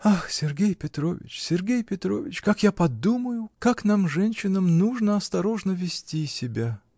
-- Ах, Сергей Петрович, Сергей Петрович, как я подумаю, как нам, женщинам, нужно осторожно вести себя!